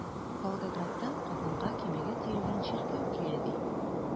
Волгоградтан Казанга көймәгә төялгән чиркәү килә, ди.